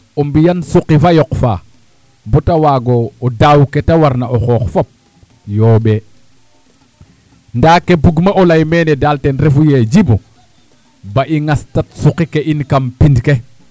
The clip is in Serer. o mbiyan suqi fa yoq faa ba ta waag o daaw kee ta warna o xoox fop yooɓee ndaa ke bugma o lay meene daal ten refu yee Djiby ba i ŋastat suqi ke in kam pind ke